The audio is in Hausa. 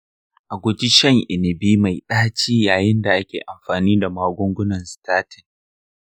a guji shan inibi mai ɗaci yayin da ake amfani da magungunan statin.